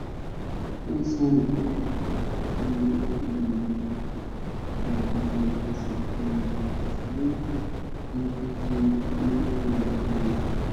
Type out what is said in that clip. Meshan waxyalo bobilo midabkis waa cadan waxan suran kattin midabkedun yahay dahbi